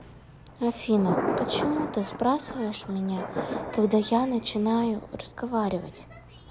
афина почему ты сбрасываешь меня когда я начинаю разговаривать